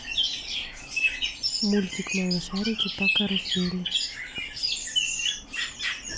мультик малышарики по карусели